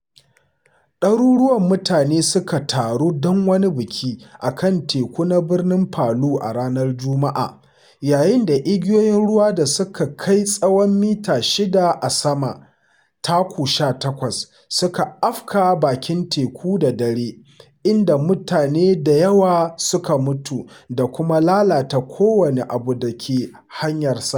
Ɗaruruwan mutane suka taru don wani biki a kan teku na birnin Palu a ranar Juma’a a yayin da igiyoyin ruwan da suka kai tsawon mita shida a sama (taku 18) suka afka bakin teku da dare, inda mutane da yawa suka mutu da kuma lalata kowane abu da ke hanyarsu.